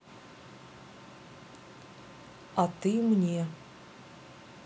а ты мне